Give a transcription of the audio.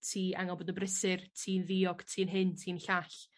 Ti ango bod yn brysur ti'n ddiog ti'n hyn ti'n llall.